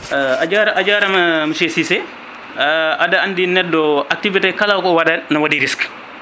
a jara a jarama monsieur Cissé aɗa andi neɗɗo activité kala ko waɗaɗ ne waɗi rique